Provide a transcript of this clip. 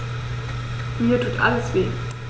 Mir tut alles weh.